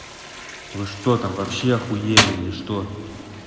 вы что там вообще охуели или что